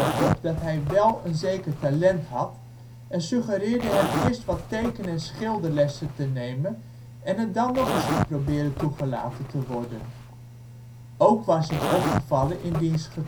erop dat hij wel een zeker talent had en suggereerde hem eerst wat teken - en schilderlessen te nemen en het dan nog eens te proberen toegelaten te worden. Ook was hem opgevallen in diens